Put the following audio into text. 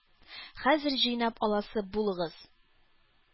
-хәзер җыйнап аласы булыгыз!